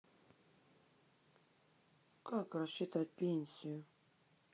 как рассчитать пенсию